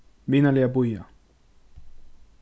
vinarliga bíða